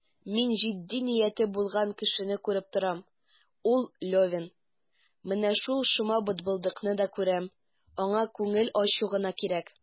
Мин җитди нияте булган кешене күреп торам, ул Левин; менә шул шома бытбылдыкны да күрәм, аңа күңел ачу гына кирәк.